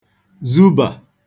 zubà